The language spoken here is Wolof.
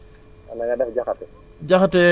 na nga def Diakhaté